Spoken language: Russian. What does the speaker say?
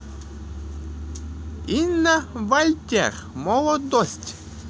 инна вальтер молодость